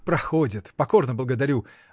— Проходят, покорно благодарю.